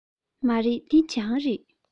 མ རེད འདི གྱང རེད